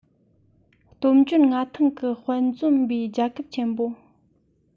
སྟོབས འབྱོར མངའ ཐང གི དཔལ འཛོམས པའི རྒྱལ ཁབ ཆེན པོ